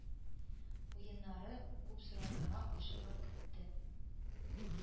Уеннары күп сорауларга ачыклык кертте